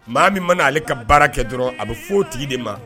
Maa min mana ale ka baara kɛ dɔrɔn a bɛ foyi tigi de ma